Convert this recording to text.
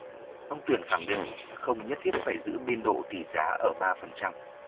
ông tuyển khẳng định không nhất thiết phải giữ biên độ tỷ giá ở ba phần trăm